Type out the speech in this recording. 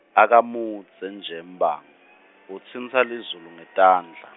Akamudze nje Mbango, utsintsa lizulu ngetandla.